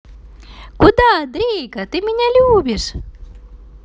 куда дрейка ты меня любишь